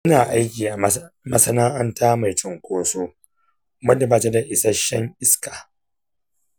ina aiki a masana’anta mai cunkoso wadda ba ta da isasshen iska.